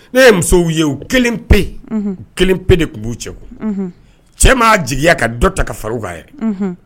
Ne ye musow ye o kelen pe kelen pe de tun b'u cɛ cɛ' jigiya ka dɔ ta ka fa kan ye